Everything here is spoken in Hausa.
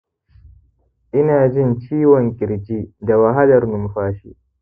ina jin ciwon kirji da wahalar numfashi